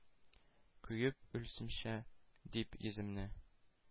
Куеп үлсәмче, дип, йөземне!